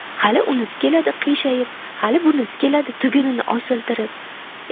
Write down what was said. hali unisi keladi qiyshayib hali bunisi keladi tugunini osiltirib